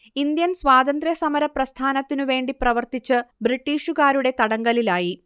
Indian സ്വാതന്ത്ര്യ സമരപ്രസ്ഥാനത്തിനു വേണ്ടി പ്രവർത്തിച്ച് ബ്രിട്ടീഷുകാരുടെ തടങ്കലിലായി